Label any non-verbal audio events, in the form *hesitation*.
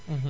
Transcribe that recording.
*hesitation* *hesitation*